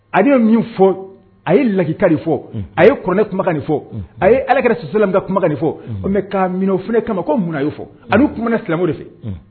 A'o min fɔ a ye lakika de fɔ a ye kɔnɛ kumakan nin fɔ a ye alakɛsi kumakan nin fɔ bɛ kaf kama ko mun y' fɔ aniuɛ silamɛmo de fɛ